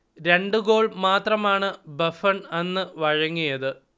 രണ്ട് ഗോൾ മാത്രമാണ് ബഫൺ അന്ന് വഴങ്ങിയത്